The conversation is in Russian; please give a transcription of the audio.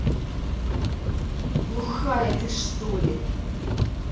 глухая ты что ли